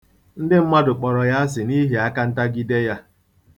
Ndị mmadụ kpọrọ ya asị n'ihi akantagide ya.